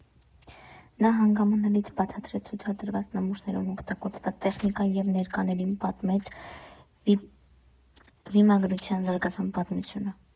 Նա հանգամանալից բացատրեց ցուցադրված նմուշներում օգտագործված տեխնիկան և ներկաներին պատմեց վիմագրության զարգացման պատմությունը։